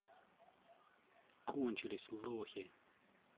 кончились лохи